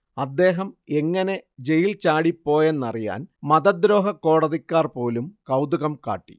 അദ്ദേഹം എങ്ങനെ ജയിൽ ചാടിപ്പോയെന്നറിയാൻ മതദ്രോഹക്കോടതിക്കാർ പോലും കൗതുകം കാട്ടി